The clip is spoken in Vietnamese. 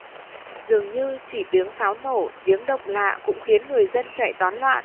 dường như chỉ tiếng pháo nổ tiếng động lạ cũng khiến người dân chạy tán loạn